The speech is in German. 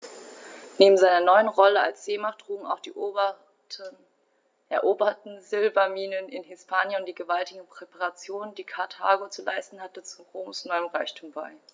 Neben seiner neuen Rolle als Seemacht trugen auch die eroberten Silberminen in Hispanien und die gewaltigen Reparationen, die Karthago zu leisten hatte, zu Roms neuem Reichtum bei.